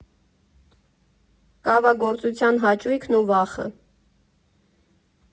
Կավագործության հաճույքն ու վախը։